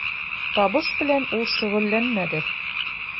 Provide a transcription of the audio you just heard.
Табыш белән ул шөгыльләнмәде.